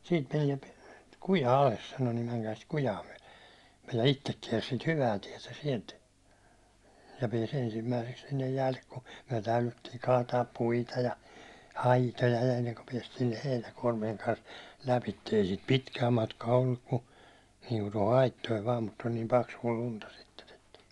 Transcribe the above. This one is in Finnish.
siitä meni kuja alas sanoi niin menkää sitä kujaa myöten me ja itse kiersi sitä hyvää tietä sieltä ja pääsi ensimmäiseksi sinne jäälle kun me täydyttiin kaataa puita ja aitoja ennen kuin päästiin heinäkuormien kanssa läpi ei siitä pitkää matkaa ollut kun niin kuin tuohon aittoihin vain mutta oli niin paksua lunta sitten että